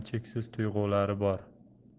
cheksiz tuyg'ulari bor